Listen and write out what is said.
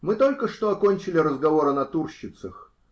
Мы только что окончили разговор о натурщицах.